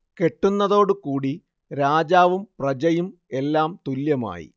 കെട്ടുന്നതോടു കൂടീ രാജാവും പ്രജയും എല്ലാം തുല്യമായി